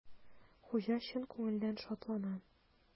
Хуҗа чын күңелдән шатлана.